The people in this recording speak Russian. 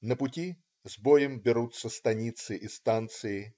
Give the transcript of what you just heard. На пути с боем берутся станицы и станции.